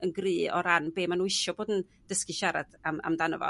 yn gry' o ran be ma' n'w isio bod yn dysgu siarad am am amdano fo